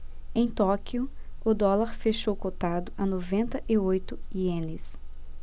em tóquio o dólar fechou cotado a noventa e oito ienes